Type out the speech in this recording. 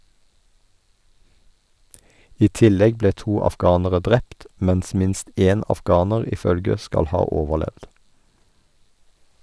I tillegg ble to afghanere drept, mens minst en afghaner i følget skal ha overlevd.